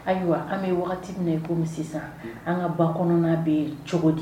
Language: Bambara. Ayiwa an bɛ waati wagati na ye ko sisan an ka ba kɔnɔna bɛ cogo di